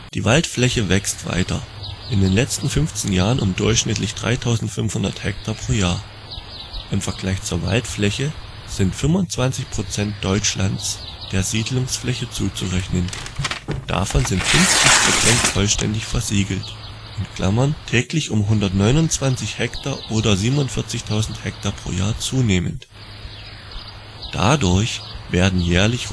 Die Waldfläche wächst weiter, in den letzten 15 Jahren um durchschnittlich 3.500 ha/a. Im Vergleich zur Waldfläche sind 25 % Deutschlands der Siedlungsfläche zuzurechnen, davon sind 50 % vollständig versiegelt (täglich um 129 ha oder 47.000 ha/a zunehmend). Dadurch werden jährlich